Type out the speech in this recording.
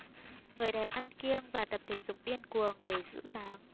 người đẹp ăn kiêng và tập thể dục điên cuồng để giữ dáng